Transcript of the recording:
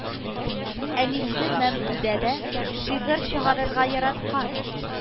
Әнисе Мәмдүдә дә шигырь чыгарырга яраткан